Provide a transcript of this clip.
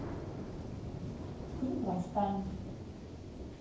клип rammstein